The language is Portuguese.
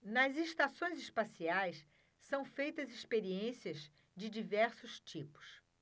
nas estações espaciais são feitas experiências de diversos tipos